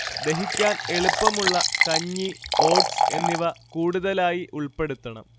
ദഹിക്കാൻ എളുപ്പമുള്ള കഞ്ഞി, ഓട്സ്എന്നിവ കൂടുതലായി ഉൾപ്പെടുത്തണം